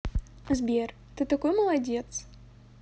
сбер ты такой молодец